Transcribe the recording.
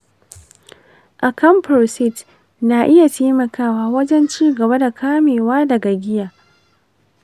acamprosate na iya taimakawa wajen ci gaba da kamewa daga giya.